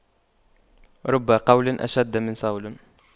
رب قول أشد من صول